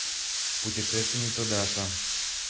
путешественница даша